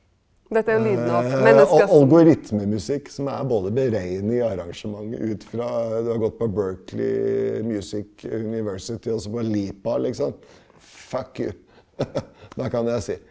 algoritmemusikk som er både beregnet i arrangementet ut fra du har gått på Berkeley Music University også på LIPA liksom , det kan jeg si.